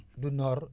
du noor